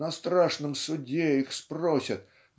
На страшном суде их спросят